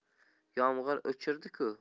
yomg'ir o'chirdi ku